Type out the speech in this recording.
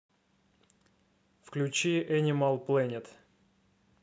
включи энимал плэнет